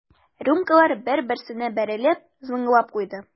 Рюмкалар бер-берсенә бәрелеп зыңлап куйды.